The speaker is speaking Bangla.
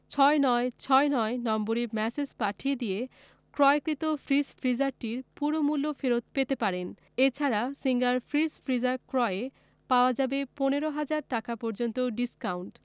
৬৯৬৯ নম্বরে ম্যাসেজ পাঠিয়ে দিয়ে ক্রয়কৃত ফ্রিজ ফ্রিজারটির পুরো মূল্য ফেরত পেতে পারেন এ ছাড়া সিঙ্গার ফ্রিজ ফ্রিজার ক্রয়ে পাওয়া যাবে ১৫ ০০০ টাকা পর্যন্ত ডিসকাউন্ট